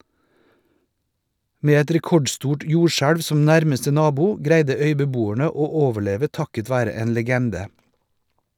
Med et rekordstort jordskjelv som nærmeste nabo, greide øybeboerne å overleve takket være en legende.